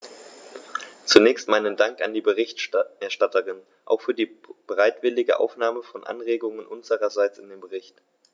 Zunächst meinen Dank an die Berichterstatterin, auch für die bereitwillige Aufnahme von Anregungen unsererseits in den Bericht.